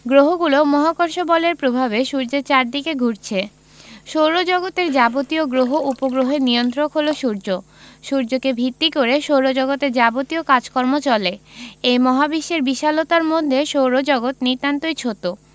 গ্রহগুলো মহাকর্ষ বলের প্রভাবে সূর্যের চারদিকে ঘুরছে সৌরজগতের যাবতীয় গ্রহ উপগ্রহের নিয়ন্ত্রক হলো সূর্য সূর্যকে ভিত্তি করে সৌরজগতের যাবতীয় কাজকর্ম চলে এই মহাবিশ্বের বিশালতার মধ্যে সৌরজগৎ নিতান্তই ছোট